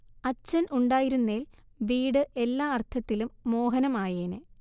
അച്ഛൻ ഉണ്ടായിരുന്നേൽ വീട് എല്ലാ അർത്ഥത്തിലും മോഹനം ആയേനേ